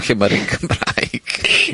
lle ma'r un Cymraeg.